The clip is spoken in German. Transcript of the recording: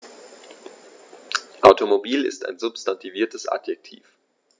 Automobil ist ein substantiviertes Adjektiv.